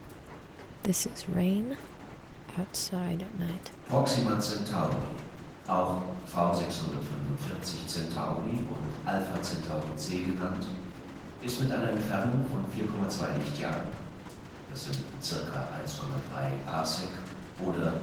Proxima Centauri, auch „ V645 Centauri “und „ Alpha Centauri C “genannt, ist mit einer Entfernung von 4,2 Lichtjahren (ca. 1,3 pc oder